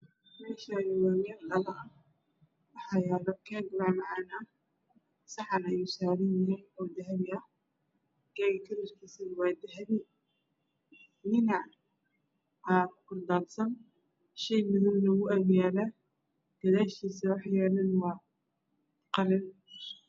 Meeshaan waa meel dhalo ah waxaa yaalo keek mac macaan ah saxan ayuu saaran yahay oo dahabi ah shayga kalarkiisa waa dahabi ninac aa ku daadsan shay madowna wuu ag yaalaa hadaashiisa waxa yaalana waa qalin.